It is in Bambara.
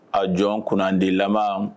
A jɔn kodi laban